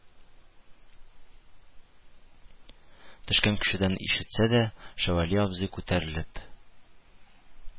Төшкән кешедән ишетсә дә, шәвәли абзый күтәрелеп